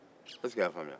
ɛseke i y'a faamuya